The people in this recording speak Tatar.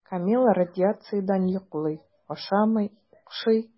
Камилла радиациядән йоклый, ашамый, укшый.